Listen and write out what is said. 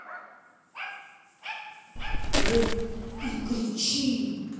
бей и кричи